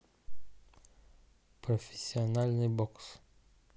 профессиональный бокс